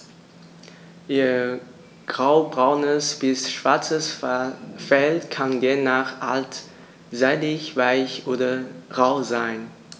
Ihr graubraunes bis schwarzes Fell kann je nach Art seidig-weich oder rau sein.